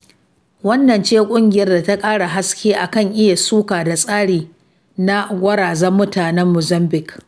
Wannan ce ƙungiyar da ta ƙara haske a kan iya suka da tsari na gwarazan mutanen Muzambic.